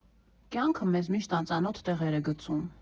«Կյանքը մեզ միշտ անծանոթ տեղեր է գցում։